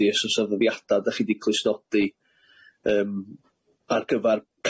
'di os o's 'na ddyddiada' 'da chi 'di clustodi yym ar gyfar